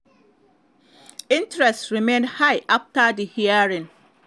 Interest remained high after the hearing.